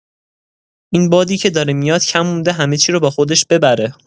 این بادی که داره میاد کم مونده همه‌چی رو با خودش ببره.